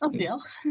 O, diolch!